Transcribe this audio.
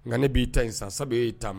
Nka ne b'i ta in san sabu e y'i ta